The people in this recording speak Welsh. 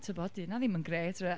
tibod, 'di hynna ddim yn grêt.